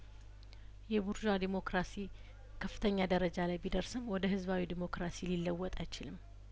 የቡርዧ ዴሞክራሲ ከፍተኛ ደረጃ ላይ ቢደርስም ወደ ህዝባዊ ዴሞክራሲ ሊለወጥ አይችልም